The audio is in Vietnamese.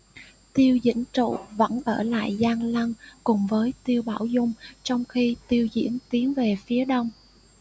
tiêu dĩnh trụ vẫn ở lại giang lăng cùng với tiêu bảo dung trong khi tiêu diễn tiến về phía đông